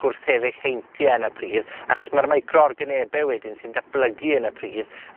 gwrthsefyll heintie yn y pridd. Achos ma'r micro organebe wedyn sy'n datblygu yn y pridd